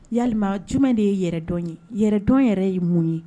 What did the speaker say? Ya j de ye yɛrɛdɔn ye yɛrɛdɔn yɛrɛ ye mun ye